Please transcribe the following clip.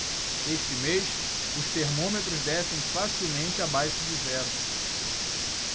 este mês os termômetros descem facilmente abaixo de zero